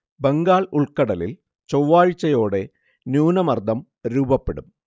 ബംഗാൾ ഉൾക്കടലിൽ ചൊവ്വാഴ്ചയോടെ ന്യൂനമർദം രൂപപ്പെടും